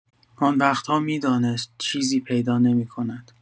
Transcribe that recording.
آن وقت‌ها می‌دانست چیزی پیدا نمی‌کند.